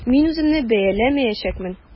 Мин үземне бәяләмәячәкмен.